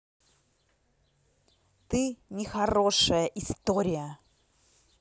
ты нехорошая история